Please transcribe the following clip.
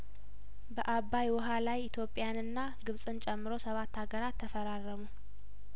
በአባይውሀ ላይ ኢትዮጵያንና ግብጽን ጨምሮ ሰባት ሀገራት ተፈራረሙ